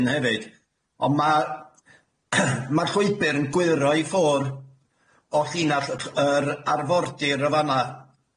hyn hefyd on' ma' ma'r llwybyr yn gwyro i ffwr' o llinall yr arfordir yn fan'na.